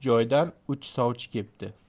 joydan uch sovchi kepti